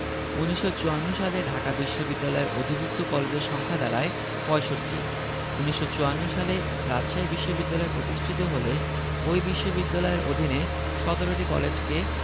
১৯৫৪ সালে ঢাকা বিশ্ববিদ্যালয়ের অধিভুক্ত কলেজের সংখ্যা দাঁড়ায় ৬৫ ১৯৫৪ সালে রাজশাহী বিশ্ববিদ্যালয় প্রতিষ্ঠিত হলে ওই বিশ্ববিদ্যালয়ের অধীনে ১৭টি কলেজকে